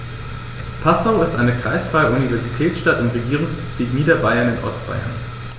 Passau ist eine kreisfreie Universitätsstadt im Regierungsbezirk Niederbayern in Ostbayern.